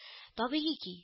Табигый ки